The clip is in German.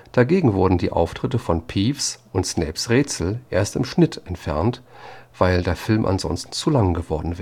Dagegen wurden die Auftritte von Peeves und Snapes Rätsel erst im Schnitt entfernt, weil der Film ansonsten zu lang geworden